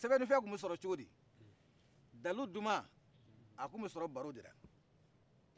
sɛbɛnni fɛn tun bi sɔrɔ cogodi dalu duma a tun bi sɔrɔ baro dela